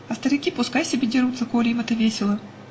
а старики пускай себе дерутся, коли им это весело.